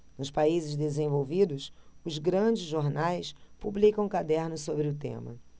nos países desenvolvidos os grandes jornais publicam cadernos sobre o tema